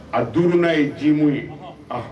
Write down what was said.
A 5nan ye jimu ye